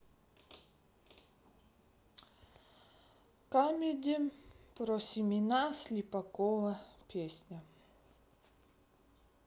камеди про семена слепакова песня